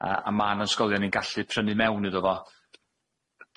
a a ma'n ysgolion ni'n gallu prynu mewn iddo fo.